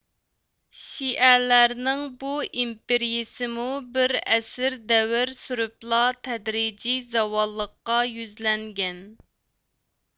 شىئەلەرنىڭ بۇ ئىمپېرىىيىسىمۇ بىر ئەسىر دەۋر سۈرۈپلا تەدرىجىي زاۋاللىققا يۈزلەنگەن